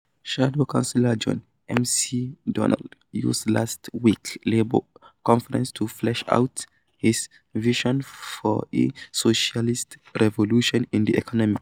Shadow Chancellor John McDonnell used last week's Labour conference to flesh out his vision for a socialist revolution in the economy.